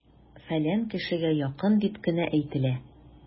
"фәлән кешегә якын" дип кенә әйтелә!